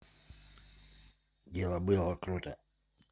дело было круто